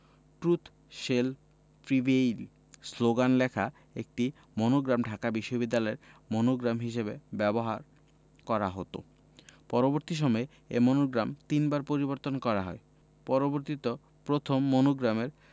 truth shall prevail slogan লেখা একটি monogram Dhaka বিশ্ববিদ্যালয়ের মনোগ্রাম হিসেবে ব্যবহার করা হতো পরবর্তী সময়ে এ মনোগ্রাম তিনবার পরিবর্তন করা হয় পরবর্তিত প্রথম মনোগ্রামে